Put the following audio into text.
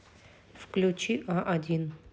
включить а один